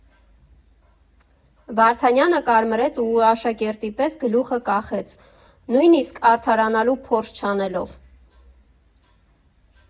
Վարդանյանը կարմրեց ու աշակերտի պես գլուխը կախեց, նույնիսկ արդարանալու փորձ չանելով։